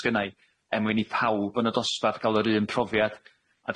sgynnai er mwyn i pawb yn y dosbarth ga'l yr un profiad a